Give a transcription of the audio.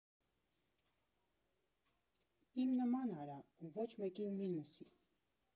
Իմ նման արա, ու ոչ մեկին մի լսի։